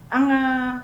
A